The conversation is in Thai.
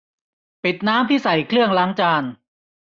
ปิดน้ำที่ใส่เครื่องล้างจาน